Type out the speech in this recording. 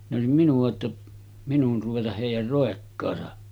ne olisi minua jotta minun ruveta heidän roikkaansa